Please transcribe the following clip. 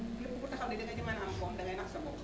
képp ku taxaw ne da nga ñeme * da ngay nax sa bopp